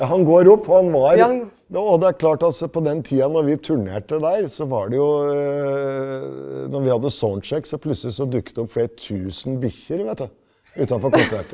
han går opp og han var og det er klart altså at på den tida når vi turnerte der så var det jo når vi hadde så plutselig så dukket det opp flere 1000 bikkjer vet du utafor konsert.